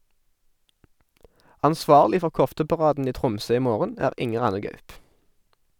Ansvarlig for kofteparaden i Tromsø i morgen er Inger Anne Gaup.